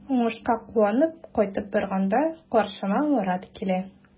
Уңышка куанып кайтып барганда каршыма Марат килә.